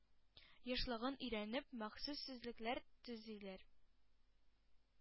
Ешлыгын өйрәнеп, махсус сүзлекләр төзиләр.